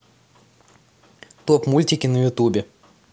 топ мультики на ютубе